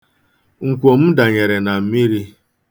Nkwo m danyere na mmiri.